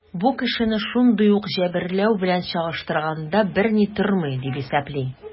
Бу кешене шундый ук җәберләү белән чагыштырганда берни тормый, дип исәпли.